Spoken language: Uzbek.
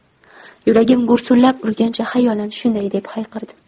yuragim gursillab urgancha xayolan shunday deb hayqirdim